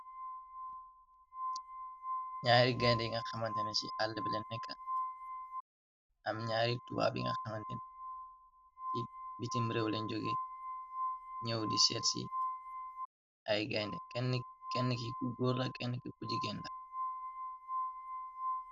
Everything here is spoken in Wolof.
Nyaari gañde yi nga xamanténé ci àll bilen nekka. Am gñaari tuwaar yi nga xamanden ci bitim réwle njoge ñëw di seet si ay gañdé. Kenn ki ku góorla kenn ki kujjigéen la.